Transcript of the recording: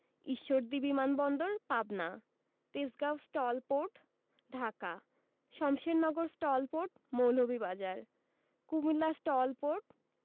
ঈশ্বরদী বিমান বন্দর Pabna Tejgaon STOL port Dhaka Shamshernagar STOL port Moulvibazar Comilla STOL port